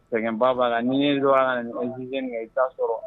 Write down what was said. Sɛgɛnbaa' la ni ye i da sɔrɔ